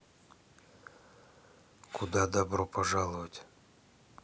куда добро пожаловать